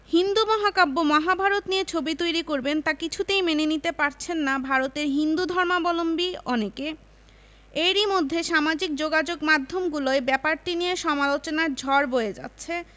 হিন্দু মহাকাব্য মহাভারত নিয়ে ছবি তৈরি করবেন তা কিছুতেই মেনে নিতে পারছেন না ভারতের হিন্দুধর্মাবলম্বী অনেকে এরই মধ্যে সামাজিক যোগাযোগমাধ্যমগুলোয় ব্যাপারটি নিয়ে সমালোচনার ঝড় বয়ে যাচ্ছে